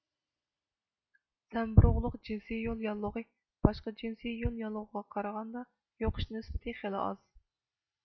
زەمبىروغلۇق جىنسى يول ياللۇغى باشقا جىنسى يول ياللۇغىغا قارىغاندا يۇقۇش نىسبىتى خېلى ئاز